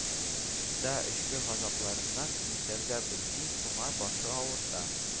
Да эчке газапларыннан нишләргә белми, туңа, башы авырта